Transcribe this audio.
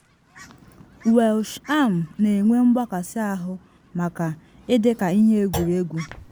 Welsh AM na enwe mgbakasị ahụ maka ‘ị dị ka ihe egwuregwu’